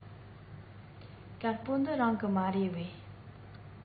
དཀར པོ འདི རང གི མ རེད པས